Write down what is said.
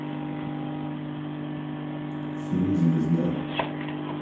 фильм звезда